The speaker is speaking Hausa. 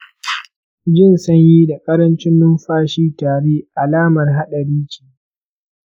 jin sanyi da ƙarancin numfashi tare alamar haɗari ce?